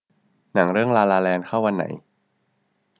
หนังเรื่องลาลาแลนด์เข้าวันไหน